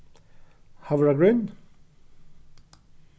havragrýn